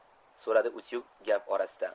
so'radi utyug gap orasida